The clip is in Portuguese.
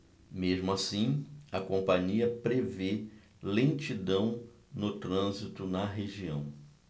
mesmo assim a companhia prevê lentidão no trânsito na região